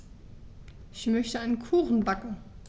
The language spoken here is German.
Ich möchte einen Kuchen backen.